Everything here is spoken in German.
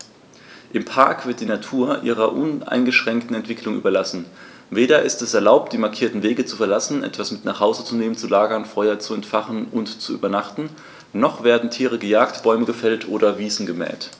Im Park wird die Natur ihrer uneingeschränkten Entwicklung überlassen; weder ist es erlaubt, die markierten Wege zu verlassen, etwas mit nach Hause zu nehmen, zu lagern, Feuer zu entfachen und zu übernachten, noch werden Tiere gejagt, Bäume gefällt oder Wiesen gemäht.